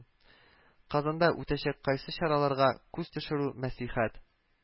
Казанда үтәчәк кайсы чараларга күз төшерү мәслихәт